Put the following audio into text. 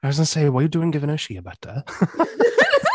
I was going to say, what are you doing giving her shea butter?